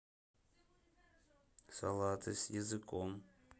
салаты с языком